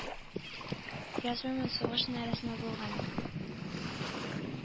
Язмыймын сугыш нә рәсмә булганын